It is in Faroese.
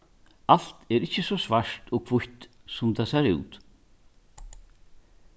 alt er ikki so svart og hvítt sum tað sær út